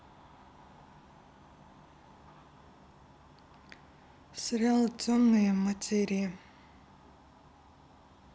сериал темные материи